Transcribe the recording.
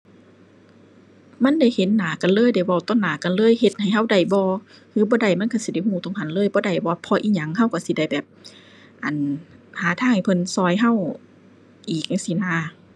มันได้เห็นหน้ากันเลย ได้เว้าต่อหน้ากันเลย เฮ็ดให้เราได้บ่ เราบ่ได้มันเราสิได้เราตรงหั้นเลย บ่ได้บ่ เพราะอิหยังเราเราสิได้แบบ อั่น หาทางให้เพิ่นเราเราอีกจั่งซี้นะ